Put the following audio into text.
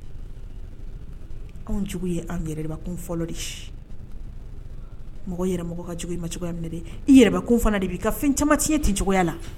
Anw jugu y'an yɛrɛbakun fɔlɔ de ye ,mɔgɔ yɛrɛmɔgɔ ka jugu i ma cogo min dɛ , i yɛrɛbakun fana de b'i ka ko caaman tiɲɛn ten cogoyala